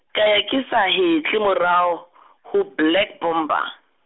ka ya ke sa hetle morao , ho Black Bomber.